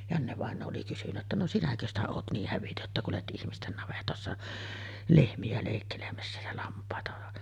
Janne-vainaja oli kysynyt että no sinäkö sitä olet niin hävytön että kuljet ihmisten navetoissa lehmiä leikkelemässä ja lampaita